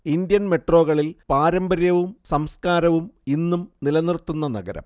Indian മെട്രോകളിൽ പാരമ്പര്യവും സംസ്കാരവും ഇന്നും നിലനിർത്തുന്ന നഗരം